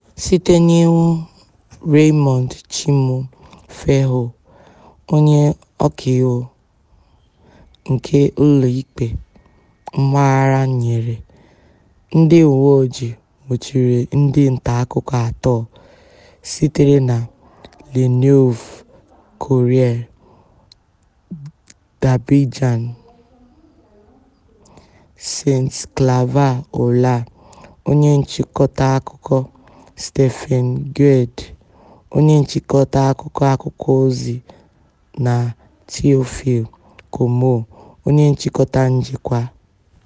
Site n'iwu Raymond Tchimou Fehou, onye Ọkaiwu nke ụlọikpe mpaghara nyere, ndị Uweojii nwụchiri ndị ntaakụkọ atọ sitere na Le Nouveau Courrier d'Abidjan, Saint Claver Oula, onye nchịkọta akụkọ, Steéphane Guédé, onye nchịkọta akụkọ akwụkwọozi na Théophile Kouamouo, onye nchịkọta njikwa.